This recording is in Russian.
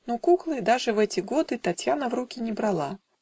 Но куклы даже в эти годы Татьяна в руки не брала